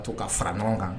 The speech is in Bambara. A' to ka fara ɲɔgɔn kan